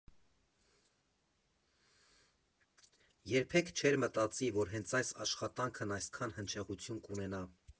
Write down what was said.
Երբեք չէր մտածի, որ հենց այս աշխատանքն այսքան հնչեղություն կունենա։